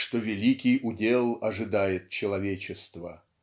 что великий удел ожидает человечество.